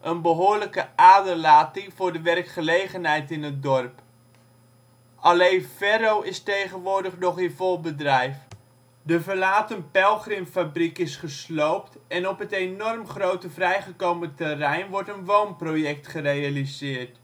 een behoorlijke aderlating voor de werkgelegenheid in het dorp. Alleen Ferro is tegenwoordig nog in vol bedrijf. De verlaten Pelgrimfabriek is gesloopt en op het enorm grote vrijgekomen terrein wordt een woonproject gerealiseerd